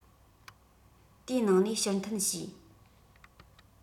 དེའི ནང ནས ཕྱིར འཐེན བྱས